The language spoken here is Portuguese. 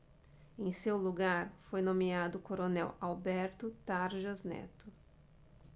em seu lugar foi nomeado o coronel alberto tarjas neto